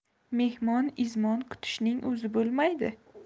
mehmon izmon kutishning o'zi bo'lmaydi